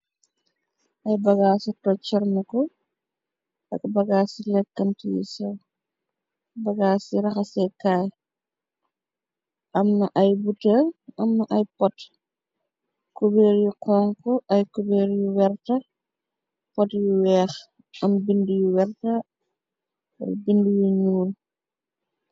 Ay bagaa su to cornuku ak bagaa ci lekkant yi sa bagaa ci raxa sekaay amna ay bute amna ay pot kubeer yu kank ay kubeer yu werta pot yu weex am bindy wert bind yu nyul.